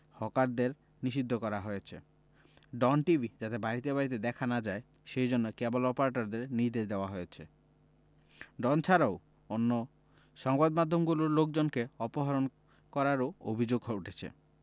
হকারদের নিষিদ্ধ করা হয়েছে ডন টিভি যাতে বাড়িতে বাড়িতে দেখা না যায় সেজন্যে কেবল অপারেটরদের নির্দেশ দেওয়া হয়েছে ডন ছাড়াও অন্য সংবাদ মাধ্যমগুলোর লোকজনকে অপহরণ করারও অভিযোগ উঠেছে